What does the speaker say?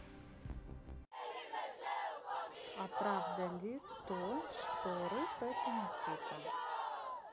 а правда ли то что рыб это никита